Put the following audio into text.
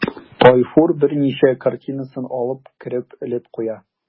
Тайфур берничә картинасын алып кереп элеп куя.